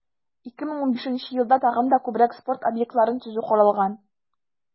2015 елда тагын да күбрәк спорт объектларын төзү каралган.